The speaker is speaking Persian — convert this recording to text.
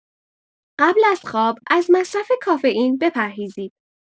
قبل از خواب از مصرف کافئین بپرهیزید.